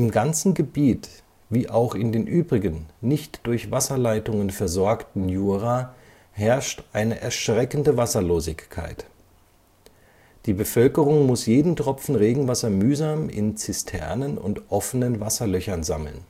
ganzen Gebiet wie auch in den übrigen nicht durch Wasserleitungen versorgten Jura herrscht eine erschreckende Wasserlosigkeit. Die Bevölkerung muß jeden Tropfen Regenwasser mühsam in Zisternen und offenen Wasserlöchern sammeln